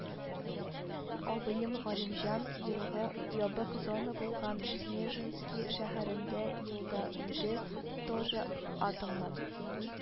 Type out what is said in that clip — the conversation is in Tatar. - абыем галимҗан, елгы, ябык зона булган снежински шәһәрендә елда үлде, тоже атомнан